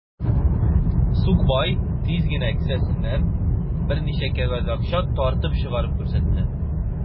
Сукбай тиз генә кесәсеннән берничә кәгазь акча тартып чыгарып күрсәтте.